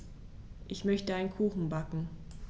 Ich möchte einen Kuchen backen.